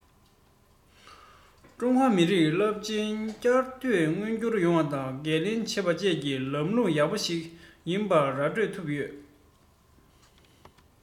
ཀྲུང ཧྭ མི རིགས རླབས ཆེན བསྐྱར དར མངོན འགྱུར ཡོང བ འགན ལེན བྱེད པ བཅས ཀྱི ལམ ལུགས ཡག པོ ཞིག ཡིན པ ར སྤྲོད ཐུབ ཡོད